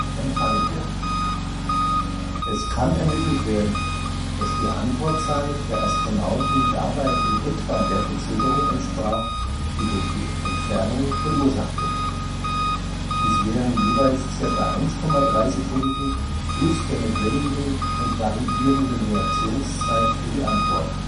empfangen werden. Es kann ermittelt werden, dass die Antwortzeit der Astronauten dabei in etwa der Verzögerung entsprach, die durch die Entfernung verursacht wird, dies wären jeweils circa 1,3 Sekunden plus der notwendigen und variierenden Reaktionszeit für die Antworten